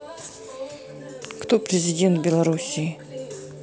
кто президент белоруссии